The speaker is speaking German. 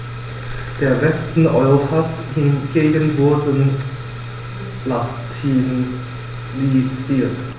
Der Westen Europas hingegen wurde latinisiert.